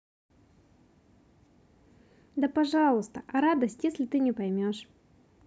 да пожалуйста а радость если ты не поймешь